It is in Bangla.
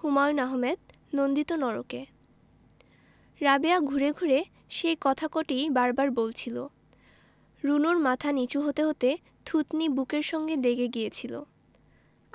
হুমায়ুন আহমেদ নন্দিত নরকে রাবেয়া ঘুরে ঘুরে সেই কথা কটিই বার বার বলছিলো রুনুর মাথা নীচু হতে হতে থুতনি বুকের সঙ্গে লেগে গিয়েছিলো